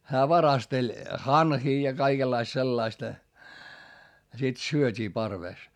hän varasteli hanhia ja kaikenlaista sellaista ja sitten syötiin parvessa